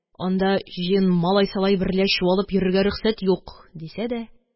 Нда җыен малай-салай берлә чуалып йөрергә рөхсәт юк, дисә дә